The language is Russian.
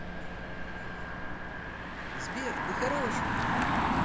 сбер ты хороший